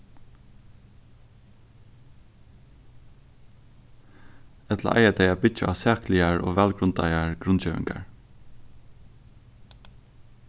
ella eiga tey at byggja á sakligar og vælgrundaðar grundgevingar